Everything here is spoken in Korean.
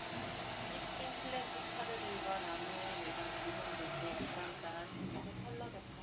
찢긴 플래카드들과 나무에 매단 리본들도 바람 따라 세차게 펄럭였다